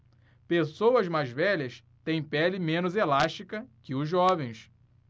pessoas mais velhas têm pele menos elástica que os jovens